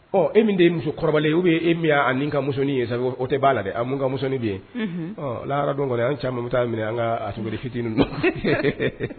Ɔ e min muso kɔrɔ ye bɛ e min'a nin ka musonin ye o tɛ b'a la de ka musonin bɛ yen la dɔn kɔni an caman t'a minɛ an kab fitinin ninnu don